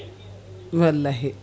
wallahi